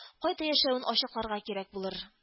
Кайда яшәвен ачыкларга кирәк булыр